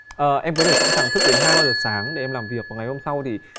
ờ em có thể sẵn sàng thức đến hai ba giờ sáng để em làm việc vào ngày hôm sau thì